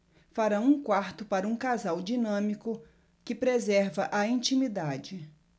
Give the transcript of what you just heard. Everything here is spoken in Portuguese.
farão um quarto para um casal dinâmico que preserva a intimidade